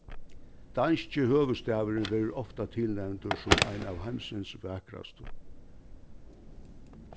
danski høvuðsstaðurin verður ofta tilnevndur sum ein av heimsins vakrastu